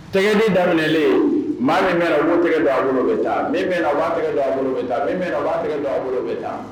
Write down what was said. Tigɛ ni daminɛlen maa min mɛn' tɛgɛ don a bolo bɛ taa'a tɛgɛ don a bolo bɛ taa tɛgɛ don a bolo bɛ taa